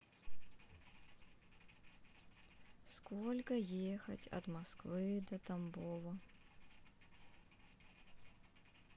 сколько ехать от москвы до тамбова